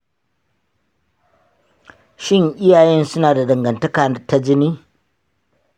shin iyayen suna da dangantaka ta jini?